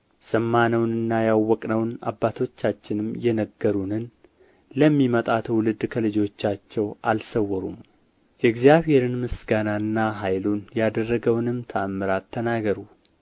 የሰማነውንና ያውቅነውን አባቶቻችንም የነገሩንን ለሚመጣ ትውልድ ከልጆቻቸው አልሰወሩም የእግዚአብሔርን ምስጋናና ኃይሉን ያደረገውንም ተኣምራት ተናገሩ